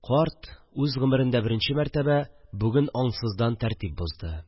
Карт үз гомерендә беренче мәртәбә бүген аңсыздан тәртип бозды